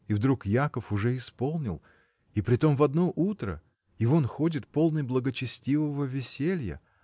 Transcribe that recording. И вдруг Яков уже исполнил, и притом в одно утро, и вон ходит, полный благочестивого веселья.